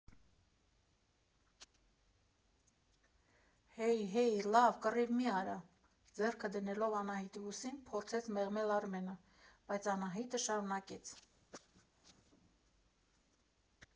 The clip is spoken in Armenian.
֊ Հեյ, հեյ, լավ, կռիվ մի արա, ֊ ձեռքը դնելով Անահիտի ուսին փորձեց մեղմել Արմենը, բայց Անահիտը շարունակեց։